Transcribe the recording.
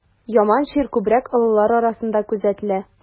Яман чир күбрәк олылар арасында күзәтелә.